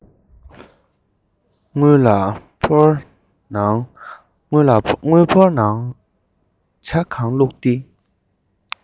དངུལ ཕོར ནང ཇ གང བླུགས ཏེ